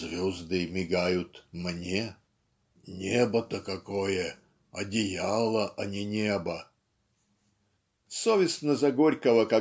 "Звезды мигают мне", "небо-то какое - одеяло, а не небо". Совестно за Горького